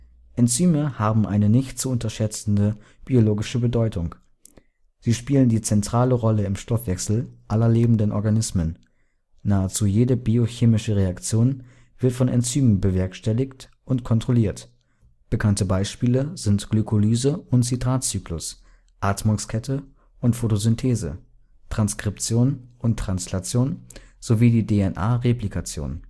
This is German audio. Enzyme haben eine nicht zu unterschätzende biologische Bedeutung, sie spielen die zentrale Rolle im Stoffwechsel aller lebenden Organismen. Nahezu jede biochemische Reaktion wird von Enzymen bewerkstelligt und kontrolliert. Bekannte Beispiele sind Glycolyse und Citrat-Zyklus, Atmungskette und Photosynthese, Transkription und Translation sowie die DNA-Replikation